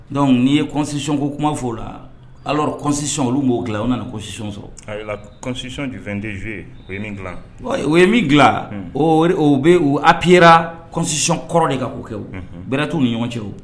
Dɔnkuc n'i yesionko kuma fɔ o la ala kɔsisi olu b'o dilan o nana kosi sɔrɔ o ye dila o ye min dilan bɛ apiira kɔsisi kɔrɔ de ka k'o kɛ bɛɛ t'u ni ɲɔgɔn cɛ